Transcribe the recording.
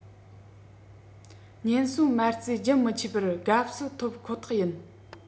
ཉེན ཟོན མ རྩས རྒྱུན མི ཆད པར དགའ བསུ ཐོབ ཁོ ཐག ཡིན